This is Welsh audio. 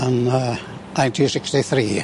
Yn yy ninety sixty three.